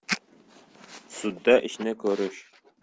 sudda ishni ko'rish